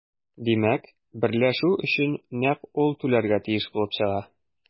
Димәк, берләшү өчен нәкъ ул түләргә тиеш булып чыга.